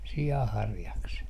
sianharjakset